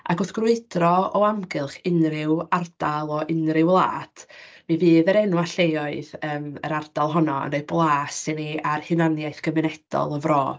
Ac wrth grwydro o amgylch unryw ardal o unrhyw wlad, mi fydd yr enwau lleoedd yym yr ardal honno yn rhoi blas i ni ar hunaniaeth gymunedol y fro.